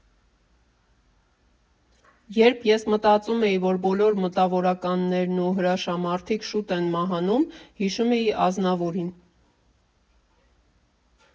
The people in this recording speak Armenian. Երբ ես մտածում էի, որ բոլոր մտավորականներն ու հրաշամարդիկ շուտ են մահանում, հիշում էի Ազնավուրին։